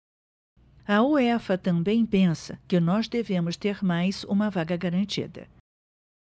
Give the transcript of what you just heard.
a uefa também pensa que nós devemos ter mais uma vaga garantida